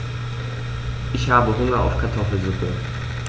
Ich habe Hunger auf Kartoffelsuppe.